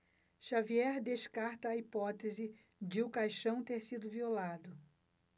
xavier descarta a hipótese de o caixão ter sido violado